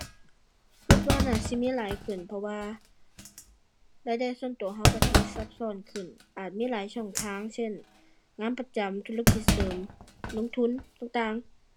คิดว่าน่าสิมีหลายขึ้น เพราะว่ารายได้ส่วนคิดคิดคิดสิซับซ้อนขึ้น อาจมีหลายช่องทาง เช่น งานประจำ ธุรกิจเสริม ลงทุนต่างต่าง